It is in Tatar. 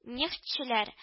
Нефтьчеләр